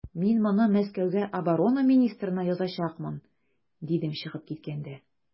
Мин моны Мәскәүгә оборона министрына язачакмын, дидем чыгып киткәндә.